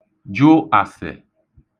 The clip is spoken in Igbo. jụ àsè